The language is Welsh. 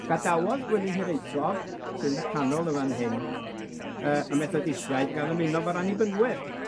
Gadawodd Gwilym Hiraethog, sy'n y canol y' fan hyn yy y Methodistiaid, gan ymuno efo'r Annibynwyr,